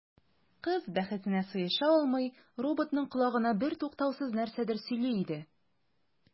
Кыз, бәхетенә сыеша алмый, роботның колагына бертуктаусыз нәрсәдер сөйли иде.